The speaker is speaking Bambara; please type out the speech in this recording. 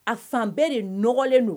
A fan bɛɛ de nɔgɔlen don